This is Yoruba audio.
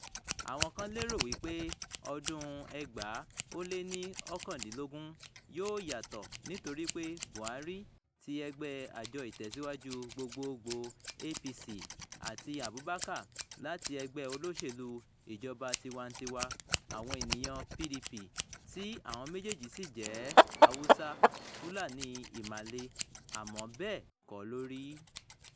Àwọn kan lérò wípé ọdún-un 2019 yóò yàtọ̀ nítorí pé Buhari ti ẹgbẹ́ẹ Àjọ Ìtẹ̀síwájú Gbogboògbò (APC) àti Abubakar láti Ẹgbẹ́ olóṣèlú Ìjọba-tiwantiwa Àwọn Ènìyàn (PDP) tí àwọn méjèèjì sì jẹ́ Hausa, Fulani Ìmàle, àmọ́ bẹ́ẹ̀ kọ́ ló rí.